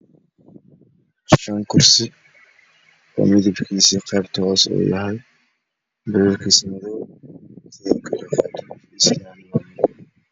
Shan kursi oo midibadisa iyo qaybta hose oo yahay, Dhirirkiisa madow